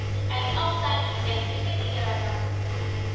Ә мин авылдан килдем, иркенлек яратам